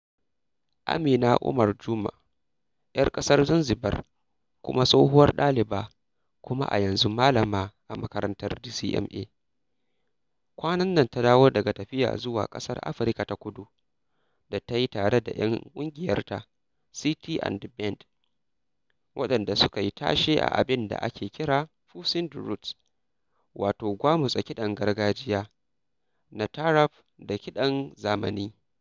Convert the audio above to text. Amina Omar Juma "yar ƙasar Zanzibar kuma tsohuwar ɗaliba kuma a yanzu malama a makarantar DCMA kwanan nan ta dawo daga tafiya zuwa ƙasar Afirka ta Kudu da ta yi tare da 'yan ƙungiyarta ta "Siti and the Band" waɗanda suka yi tashe a abinda ake kira "fusing the roots" wato gwamutsa kiɗan gargajiya na taarab da kiɗan zamani.